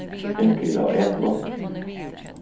fimm kilo av eplum